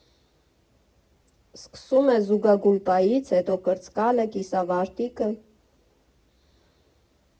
Սկսում է զուգագուլպայից, հետո՝ կրծկալը, կիսավարտիքը։